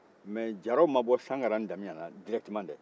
mais jaraw ma bɔ sankara damiyan na directement dɛɛ